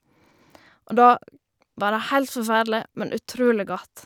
Og da var det helt forferdelig, men utrolig godt.